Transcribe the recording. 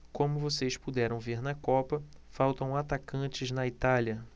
como vocês puderam ver na copa faltam atacantes na itália